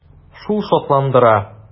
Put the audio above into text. Шул шатландыра.